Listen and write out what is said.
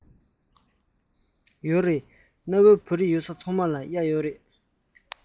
ཡོད རེད གནའ བོའི བོད རིགས ཡོད ས ཚང མར གཡག ཡོད རེད